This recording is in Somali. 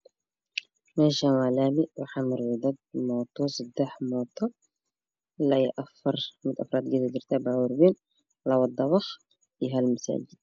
Meshan waa lami waxaa marooyo moto ila sedax ila afar babuur wayn iho laba dabaq iyo hal masjid